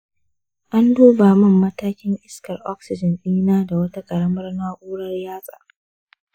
an duba min matakin iskar oxygen ɗina da wata ƙaramar na'u'rar yatsa.